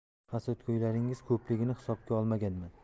hasadgo'ylaringiz ko'pligini hisobga olmaganman